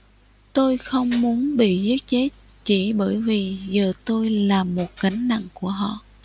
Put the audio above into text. tôi không muốn bị giết chết chỉ bởi vì giờ tôi là một gánh nặng của họ